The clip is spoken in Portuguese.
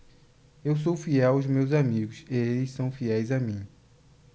eu sou fiel aos meus amigos e eles são fiéis a mim